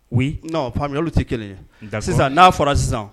U n' olu tɛ kelen ye sisan n'a fɔra sisan